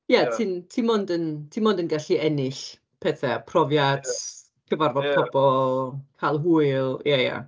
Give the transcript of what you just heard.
Ia ti'n ti mond yn... ti mond yn gallu ennill petha. Profiad cyfarfod pobl cael hwyl. Ia ia.